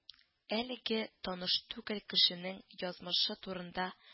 Әлеге таныш түгел кешенең язмышы турында